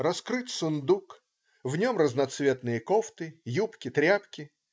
Раскрыт сундук, в нем разноцветные кофты, юбки, тряпки.